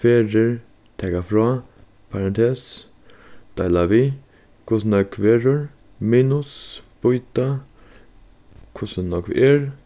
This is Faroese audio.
ferðir taka frá parantes deila við hvussu nógv verður minus býta hvussu nógv er